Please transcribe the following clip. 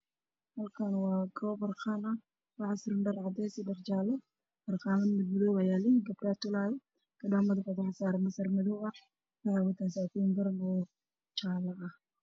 Halkaan waa goob harqaan ah waxaa suran dhar cadays iyo dhar jaalle harqaanmo mad madow ayaa yaaliin gabdhaa tolaayo gabdha madaxooda waxaa saaran masar madow ah waxay wataan saakooyin garan ah oo jaalle ah.